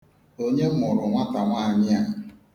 Onye mụrụ nwatanwaanyị a?